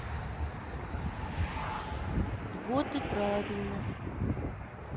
вот и правильно